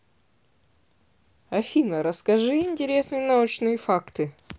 афина расскажи интересные научные факты